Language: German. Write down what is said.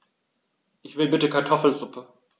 Ich will bitte Kartoffelsuppe.